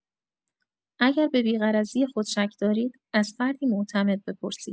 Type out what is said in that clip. اگر به بی‌غرضی خود شک دارید، از فردی معتمد بپرسید.